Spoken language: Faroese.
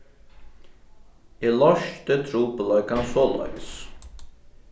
eg loysti trupulleikan soleiðis